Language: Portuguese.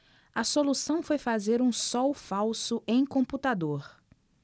a solução foi fazer um sol falso em computador